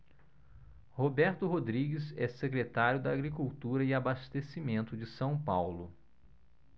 roberto rodrigues é secretário da agricultura e abastecimento de são paulo